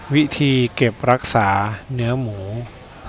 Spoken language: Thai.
วิธีเก็บรักษาเนื้อหมู